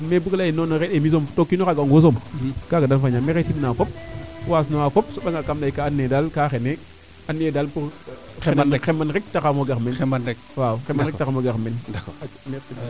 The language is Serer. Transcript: mais bug leyee non non re ew mi soom to o kiinoxa ga ong wo soom kaaga daal im fañaa maxey simna fop waasnuwa fop a soɓanga kam ley daal kaa ando naye kaa xenee andi yee daal pour xeman rek taxaxamo gar meen xeman rek taxa xamo gar meen